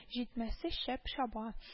Җитмәсә, шәп чаба